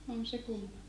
on se kumma